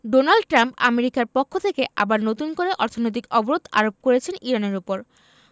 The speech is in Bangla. ডোনাল্ড ট্রাম্প আমেরিকার পক্ষ থেকে আবার নতুন করে অর্থনৈতিক অবরোধ আরোপ করেছেন ইরানের ওপর